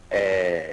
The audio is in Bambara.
Ɛɛ